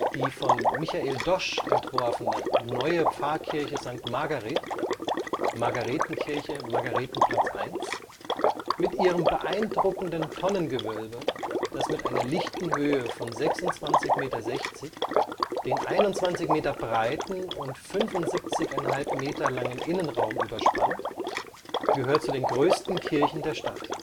Die von Michael Dosch entworfene Neue Pfarrkirche St. Margaret (Margaretenkirche, Margaretenplatz 1) mit ihrem beeindruckenden Tonnengewölbe, das mit einer lichten Höhe von 26,60 Meter den 21 Meter breiten und 75,50 Meter langen Innenraum überspannt, gehört zu den größten Kirchen der Stadt